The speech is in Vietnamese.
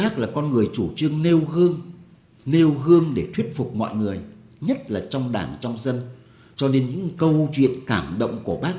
bác là con người chủ trương nêu gương nêu gương để thuyết phục mọi người nhất là trong đảng trong dân cho đến những câu chuyện cảm động của bác